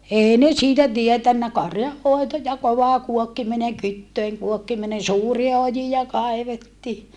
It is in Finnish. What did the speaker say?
ei ne siitä tiennyt karjanhoito ja kova kuokkiminen kytöjen kuokkiminen suuria ojia kaivettiin